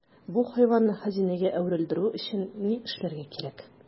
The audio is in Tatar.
Бу хайванны хәзинәгә әверелдерү өчен ни эшләргә кирәк?